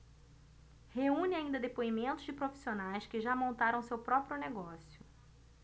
reúne ainda depoimentos de profissionais que já montaram seu próprio negócio